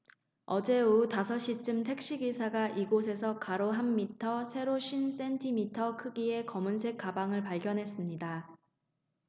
어제 오후 다섯 시쯤 택시기사가 이곳에서 가로 한 미터 세로 쉰 센티미터 크기의 검은색 가방을 발견했습니다